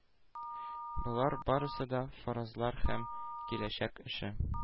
Болар барысы да – фаразлар һәм киләчәк эше.